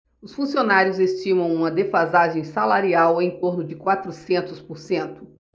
os funcionários estimam uma defasagem salarial em torno de quatrocentos por cento